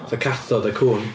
Fatha cathod a cŵn.